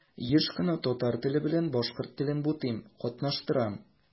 Еш кына татар теле белән башкорт телен бутыйм, катнаштырам.